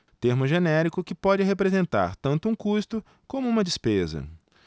termo genérico que pode representar tanto um custo como uma despesa